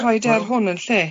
rhoid e ar hwn yn lle.